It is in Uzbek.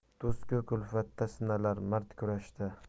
do'st kulfatda sinalar mard kurashda